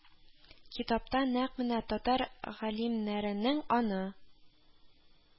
Китапта нәкъ менә татар галимнәренең аны